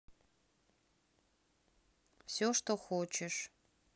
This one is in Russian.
все что хочешь